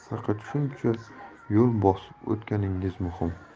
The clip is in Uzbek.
faqat shuncha yo'l bosib o'tganingiz muhim